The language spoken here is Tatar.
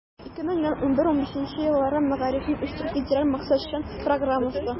2011 - 2015 елларга мәгарифне үстерү федераль максатчан программасы.